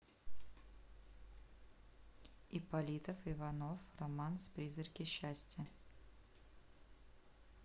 ипполитов иванов романс призраки счастья